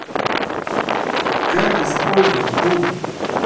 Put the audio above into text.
как использовать пульт